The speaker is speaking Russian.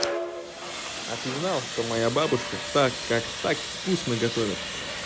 а ты знал что моя бабушка так как так вкусно готовят